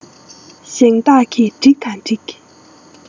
ཞིང བདག གི འགྲིག དང འགྲིག